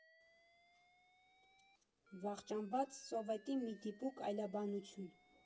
Վախճանված Սովետի մի դիպուկ այլաբանություն։